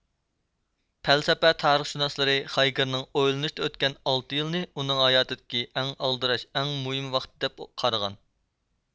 پەلسەپە تارىخشۇناسلىرى خايگېرنىڭ ئويلىنىشتا ئۆتكۈزگەن ئالتە يىلىنى ئۇنىڭ ھاياتىدىكى ئەڭ ئالدىراش ئەڭ مۇھىم ۋاقتى دەپ قارىغان